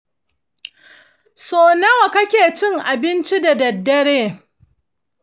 sau nawa kake cin abinci da daddare?